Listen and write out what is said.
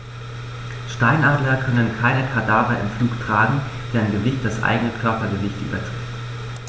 Steinadler können keine Kadaver im Flug tragen, deren Gewicht das eigene Körpergewicht übertrifft.